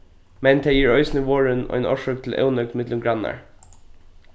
men tey eru eisini vorðin ein orsøk til ónøgd millum grannar